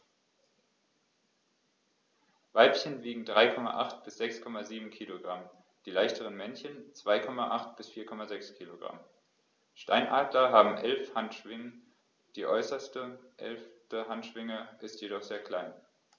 Weibchen wiegen 3,8 bis 6,7 kg, die leichteren Männchen 2,8 bis 4,6 kg. Steinadler haben 11 Handschwingen, die äußerste (11.) Handschwinge ist jedoch sehr klein.